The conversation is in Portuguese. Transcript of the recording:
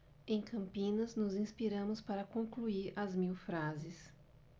em campinas nos inspiramos para concluir as mil frases